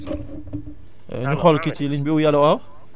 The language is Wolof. moom mooy la matière organique du sol